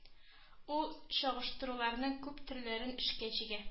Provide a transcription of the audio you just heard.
Ул чагыштыруларның күп төрләрен эшкә җигә